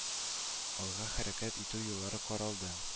Алга хәрәкәт итү юллары каралды